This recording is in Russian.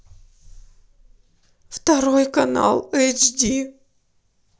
второй канал эйчди